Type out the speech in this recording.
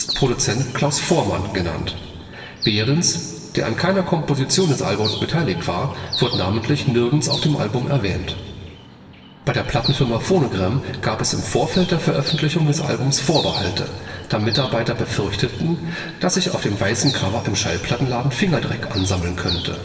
Produzent „ Klaus Voormann “genannt. Behrens, der an keiner Komposition des Albums beteiligt war, wird namentlich nirgends auf dem Album erwähnt. Bei der Plattenfirma Phonogram gab es im Vorfeld der Veröffentlichung des Albums Vorbehalte, da Mitarbeiter befürchteten, dass sich auf dem weißen Cover im Schallplattenladen Fingerdreck ansammeln könnte